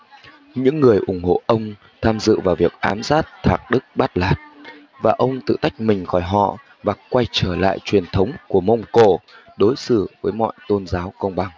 những người ủng hộ ông tham dự vào việc ám sát thạc đức bát lạt và ông tự tách mình khỏi họ và quay trở lại truyền thống của mông cổ đối xử với mọi tôn giáo công bằng